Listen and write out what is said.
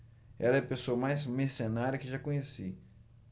ela é a pessoa mais mercenária que já conheci